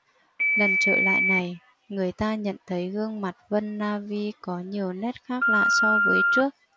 lần trở lại này người ta nhận thấy gương mặt vân navy có nhiều nét khác lạ so với trước